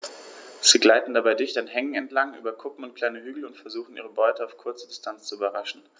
Sie gleiten dabei dicht an Hängen entlang, über Kuppen und kleine Hügel und versuchen ihre Beute auf kurze Distanz zu überraschen.